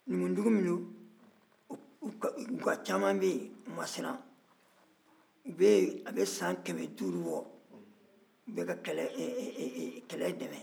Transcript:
numudugu minnu don u caman bɛ yen u ma siran u bɛ yen a bɛ san kɛmɛduuru bɔ u bɛka kɛlɛ dɛmɛ